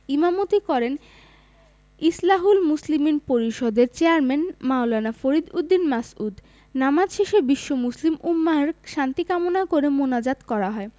ইমামতি করেন ইসলাহুল মুসলিমিন পরিষদের চেয়ারম্যান মাওলানা ফরিদ উদ্দীন মাসউদ নামাজ শেষে বিশ্ব মুসলিম উম্মাহর শান্তি কামনা করে মোনাজাত করা হয়